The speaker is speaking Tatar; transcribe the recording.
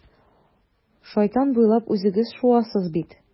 Шайтан буйлап үзегез шуасыз бит.